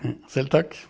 selv takk.